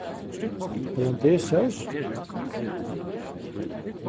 hollandaisesós